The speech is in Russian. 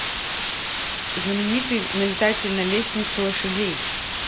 знаменитый налететь на лестницы лошадей